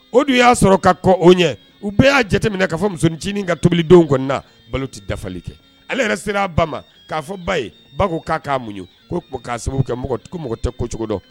O don u y'a sɔrɔ ka kɔ o ɲɛ u bɛɛ y'a jateminɛ na k'a fɔ musonincinin ka tobilidenw kɔnɔnana balo tɛ dafali kɛ ale yɛrɛ sera aa ba ma k'a fɔ ba ye ba ko k'a k'a mun ye ko k'a sababu kɛ mɔgɔ tɛ ko cogo dɔn